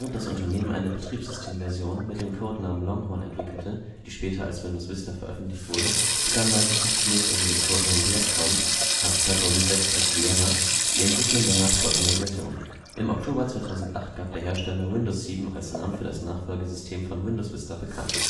das Unternehmen eine Betriebssystemversion mit dem Codenamen Longhorn entwickelte, die später als Windows Vista veröffentlicht wurde, begann Microsoft zunächst unter dem Codenamen Blackcomb, ab 2006 als Vienna, die Entwicklung der nachfolgenden Version. Im Oktober 2008 gab der Hersteller Windows 7 als Namen für das Nachfolgesystem von Windows Vista bekannt